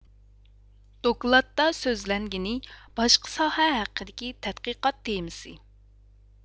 دوكلاتتا سۆزلەنگىنى باشقا ساھە ھەققىدىكى تەتقىقات تېمىسى